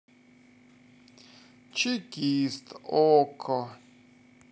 чекист окко